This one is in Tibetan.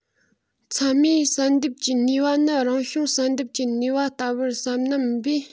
མཚན མའི བསལ འདེམས ཀྱི ནུས པ ནི རང བྱུང བསལ འདེམས ཀྱི ནུས པ ལྟ བུར གཟབ ནན མིན པས